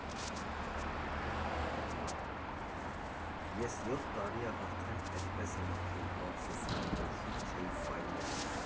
Ես յոթ տարի ա արդեն էդպես եմ ապրում ու ափսոսում եմ, որ շուտ չէի ֆայմել։